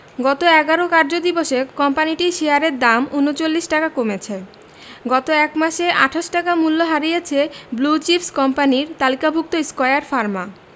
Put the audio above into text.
গত ১১ কার্যদিবসে কোম্পানিটির শেয়ারের দাম ৩৯ টাকা কমেছে গত এক মাসে ২৮ টাকা মূল্য হারিয়েছে ব্লু চিপস কোম্পানির তালিকাভুক্ত স্কয়ার ফার্মা